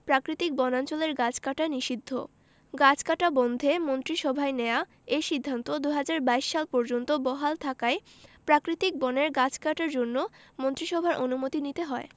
প্রাকৃতিক বনাঞ্চলের গাছ কাটা নিষিদ্ধ গাছ কাটা বন্ধে মন্ত্রিসভায় নেয়া এই সিদ্ধান্ত ২০২২ সাল পর্যন্ত বহাল থাকায় প্রাকৃতিক বনের গাছ কাটার জন্য মন্ত্রিসভার অনুমতি নিতে হয়